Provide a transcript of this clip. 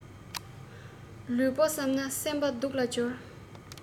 ལུས པོ བསམས ན སེམས སྡུག ལ སྦྱོར